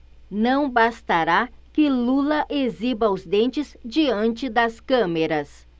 não bastará que lula exiba os dentes diante das câmeras